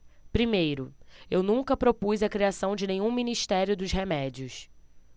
primeiro eu nunca propus a criação de nenhum ministério dos remédios